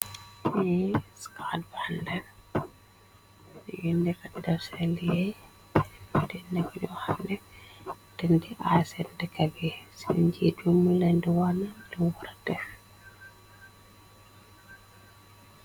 Nii scotband len yinnekadideff sen leegeey dannekadiwaha ak nit dende ar sende deka bi senjimun len de wahal lun waradef.